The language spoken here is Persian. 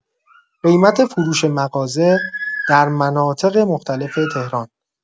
قیمت فروش مغازه در مناطق مختلف تهران